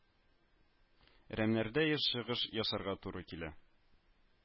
Рәмнәрдә еш чыгыш ясарга туры килә